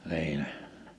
niin ne